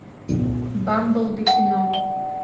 бамблби кино